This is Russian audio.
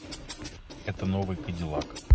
это новый кадиллак